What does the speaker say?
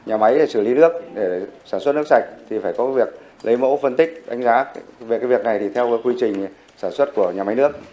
nhà máy xử lý nước để sản xuất nước sạch thì phải có việc lấy mẫu phân tích đánh giá về cái việc này thì theo quy trình sản xuất của nhà máy nước